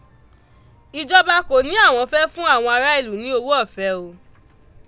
Ìjọba kò ní àwọn fẹ́ fún àwọn ará ìlú ní owó ọ̀fẹ́ o.